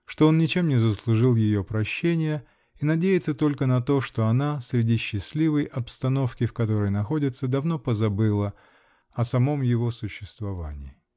что он ничем не заслужил ее прощения -- и надеется только на то, что она, среди счастливой обстановки, в которой находится, давно позабыла о самом его существовании.